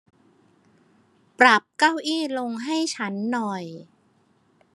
ปรับเก้าอี้ลงให้ฉันหน่อย